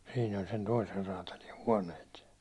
siinä oli sen toisen räätälin huoneet